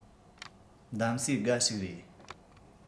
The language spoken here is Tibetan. གདམས གསེས དགའ ཞིག རེད